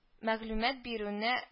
Мәгълүмат бирүне